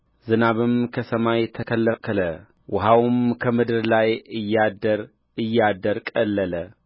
ዝናብም ከሰማይ ተከለከለ ውኃውም ከምድር ላይ እያደር እያደር ቀለለ